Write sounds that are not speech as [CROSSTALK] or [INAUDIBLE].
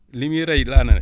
li muy ray [NOISE] laa ne